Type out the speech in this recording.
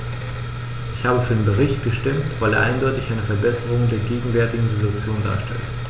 Ich habe für den Bericht gestimmt, weil er eindeutig eine Verbesserung der gegenwärtigen Situation darstellt.